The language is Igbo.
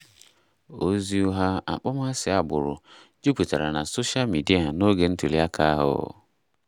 ozi ụgha akpọmasị agbụrụ juputara na soshal midịa n'oge ntuliaka ahụ.